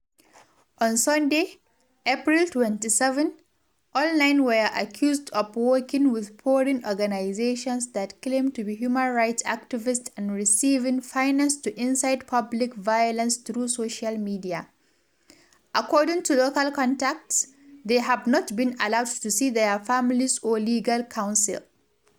On Sunday, April 27, all nine were accused of “working with foreign organizations that claim to be human rights activists and…receiving finance to incite public violence through social media.” According to local contacts, they have not been allowed to see their families or legal counsel.